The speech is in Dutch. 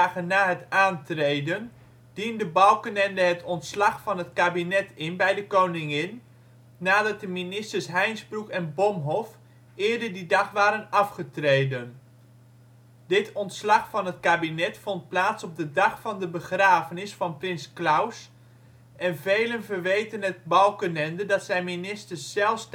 na het aantreden, diende Balkenende het ontslag van het kabinet in bij de Koningin, nadat de ministers Heinsbroek en Bomhoff eerder die dag waren afgetreden. Dit ontslag van het kabinet vond plaats op de dag van de begrafenis van Prins Claus en velen verweten het Balkenende dat zijn ministers zelfs